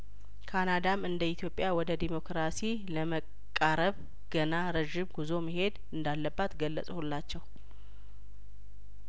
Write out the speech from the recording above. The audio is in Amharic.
ካናዳም እንደኢትዮጵያ ወደ ዴሞክራሲ ለመቃረብ ገና ረዥም ጉዞ መሄድ እንዳለባት ገለጽ ሁላቸው